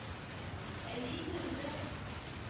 — әйе инде, үзен